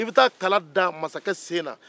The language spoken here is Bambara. i bɛ taa kala da masakɛ sen na